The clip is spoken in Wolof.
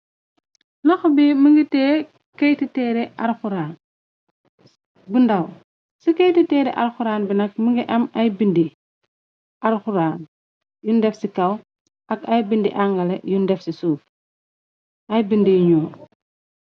Loho bi mu ngi teye cayet ti teere alquran bu ndaw ci kayitti teere alquran bi nak mu ngi am ay bindi alquran yun def ci kaw ay bindi angale yun def ci suuf bindi yu nyull.